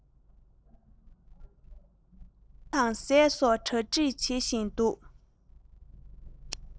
ཇ དང ཟས སོགས གྲ སྒྲིག བྱེད བཞིན འདུག